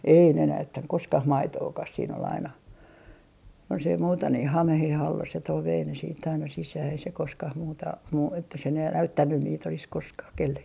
ei ne näyttänyt koskaan maitoakaan siinä oli aina jos ei muuta niin hameen alla se toi vei ne sitten aina sisään ei se koskaan muuta - että se ne - näyttänyt niitä olisi koskaan kenellekään